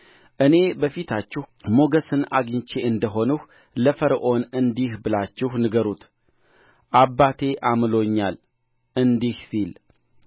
እኔ በፊታችሁ ሞገስን አግኝቼ እንደ ሆንሁ ለፈርዖን እንዲህ ብላችሁ ንገሩት አባቴ አምሎኛል እንዲህ ሲል